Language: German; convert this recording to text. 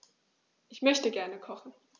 Ich möchte gerne kochen.